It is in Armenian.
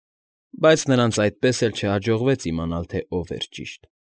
Բայց նրանց այդպես էլ չհաջողվեց իմանալ, թե ով էր ճիշտ։